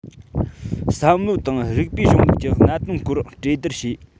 བསམ བློ དང རིགས པའི གཞུང ལུགས ཀྱི གནད དོན སྐོར གྲོས བསྡུར བྱས